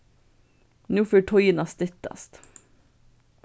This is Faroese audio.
nú fer tíðin at styttast